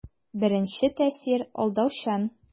Беренче тәэсир алдаучан.